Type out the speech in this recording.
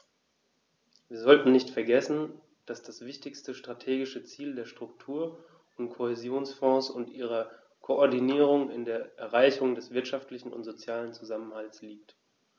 Wir sollten nicht vergessen, dass das wichtigste strategische Ziel der Struktur- und Kohäsionsfonds und ihrer Koordinierung in der Erreichung des wirtschaftlichen und sozialen Zusammenhalts liegt.